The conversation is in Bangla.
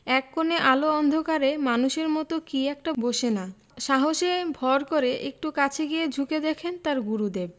এক কোণে আলো অন্ধকারে মানুষের মত কি একটা বসে না সাহসে ভর করে একটু কাছে গিয়ে ঝুঁকে দেখেন তাঁর গুরুদেব